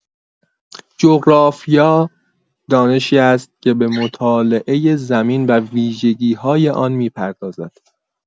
جغرافیا دانشی است که به مطالعه زمین و ویژگی‌های آن می‌پردازد.